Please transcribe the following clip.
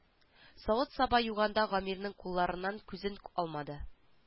Савыт-саба юганда гамирның кулларыннан күзен алмады